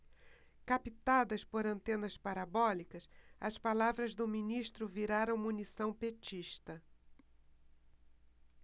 captadas por antenas parabólicas as palavras do ministro viraram munição petista